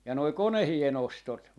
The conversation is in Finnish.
ja nuo koneiden ostot